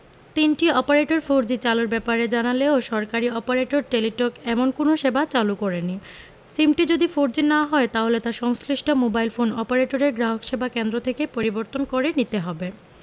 তিনটি operator four G চালুর ব্যাপারে জানালেও সরকারি অপারেটর টেলিটক এমন কোনো সেবা চালু করেনি সিমটি যদি ফোরজি না হয় তাহলে তা সংশ্লিষ্ট মোবাইল ফোন অপারেটরের গ্রাহকসেবা কেন্দ্র থেকে পরিবর্তন করে নিতে হবে